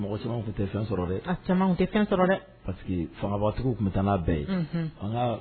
Mɔgɔ caman kun tɛ fɛn sɔrɔ dɛ a caman kun tɛ fɛn sɔrɔ dɛ parce que fangaba tigiw kun be taa n'a bɛ ye unhun an kaa